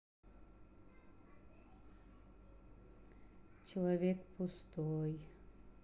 человек пустой